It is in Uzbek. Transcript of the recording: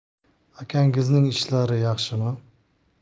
akangizning ishlari yaxshimi